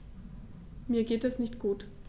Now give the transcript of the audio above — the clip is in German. Mir geht es nicht gut.